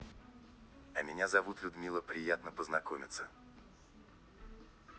а меня зовут людмила приятно познакомиться